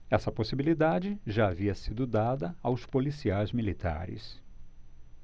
essa possibilidade já havia sido dada aos policiais militares